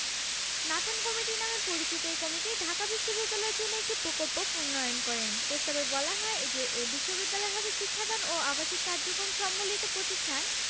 Nathan committee নামে পরিচিত এ কমিটি ঢাকা বিশ্ববিদ্যালয়ের জন্য একটি প্রকল্প প্রণয়ন করেন প্রস্তাবে বলা হয় যে এ বিশ্ববিদ্যালয় হবে শিক্ষাদান ও আবাসিক কার্যক্রম সম্বলিত প্রতিষ্ঠান